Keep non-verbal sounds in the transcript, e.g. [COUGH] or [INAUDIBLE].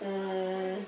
[HESITATION] [HESITATION]